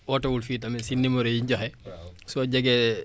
soo jegee station bi rek lépp loo soxla